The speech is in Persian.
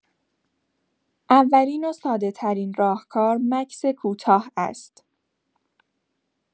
اولین و ساده‌‌ترین راهکار، مکث کوتاه است.